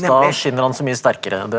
da skinner han så mye sterkere det.